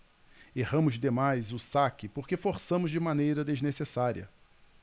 erramos demais o saque porque forçamos de maneira desnecessária